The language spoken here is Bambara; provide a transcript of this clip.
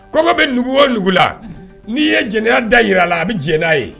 Kɔngɔ bɛ nugu nugu la n'i ye jya da jira a la a bɛ j'a ye